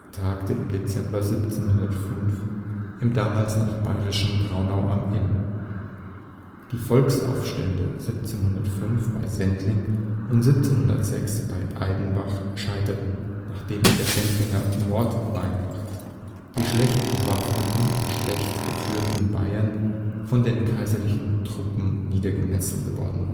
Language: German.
tagte im Dezember 1705 im damals noch bayerischen Braunau am Inn. Die Volksaufstände 1705 bei Sendling und 1706 bei Aidenbach scheiterten, nachdem in der Sendlinger Mordweihnacht die schlecht bewaffneten und schlecht geführten Bayern von den kaiserlichen Truppen niedergemetzelt worden